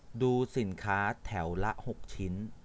ดูสินค้าแถวละหกชิ้น